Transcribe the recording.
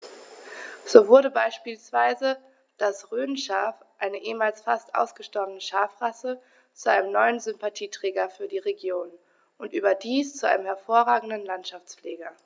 So wurde beispielsweise das Rhönschaf, eine ehemals fast ausgestorbene Schafrasse, zu einem neuen Sympathieträger für die Region – und überdies zu einem hervorragenden Landschaftspfleger.